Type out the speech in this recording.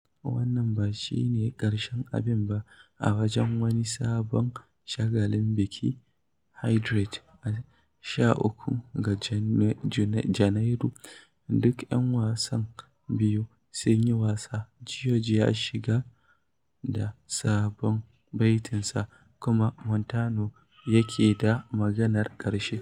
Wannan ba shi ne ƙarshen abin ba: a wajen wani sabon shagalin biki, "Hydrate", a 13 ga Janairu, duk 'yan wasan biyu sun yi wasa. George ya shigar da sabon baitinsa kuma Montano ne yake da maganar ƙarshe: